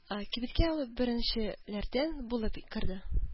Кибеткә ул беренчеләрдән булып керде.